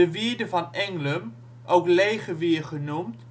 wierde van Englum, ook Legewier genoemd